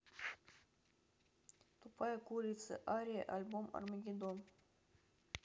тупая курица ария альбом армагедон